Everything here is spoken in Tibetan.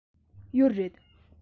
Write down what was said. ཡོད རེད